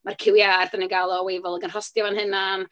Mae'r cyw iar dan ni'n gael o Wavells ac yn rhostio fo ein hunain.